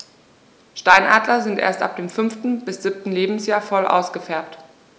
Steinadler sind erst ab dem 5. bis 7. Lebensjahr voll ausgefärbt.